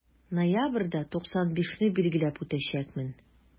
Ноябрьдә 95 не билгеләп үтәчәкмен.